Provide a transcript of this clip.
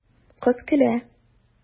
Кыз көлә.